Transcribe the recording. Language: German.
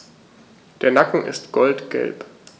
Der Nacken ist goldgelb.